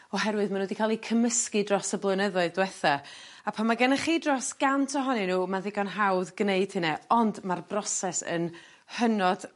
oherwydd ma' n'w 'di ca'l 'u cymysgu dros y blynyddoedd dwetha a pan ma' gennych chi dros gant ohonyn n'w ma'n ddigon hawdd gneud hynna ond ma'r broses yn hynod